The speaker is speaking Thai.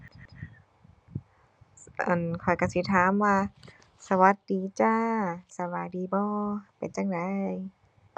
อั่น ข้อยก็สิถามว่า สวัสดีจ้า สบายดีบ่ เป็นจั่งใด